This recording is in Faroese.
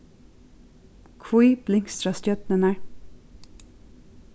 hví blinkstra stjørnurnar